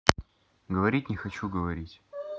говорит не хочу говорить